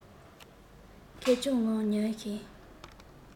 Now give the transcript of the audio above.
ཁེར རྐྱང ངང ཉལ ཞིང